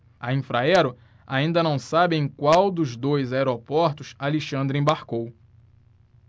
a infraero ainda não sabe em qual dos dois aeroportos alexandre embarcou